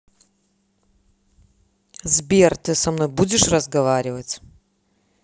сбер ты со мной будешь разговаривать